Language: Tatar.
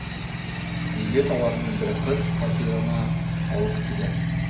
Егет аларны бер кыз фатирына алып килә.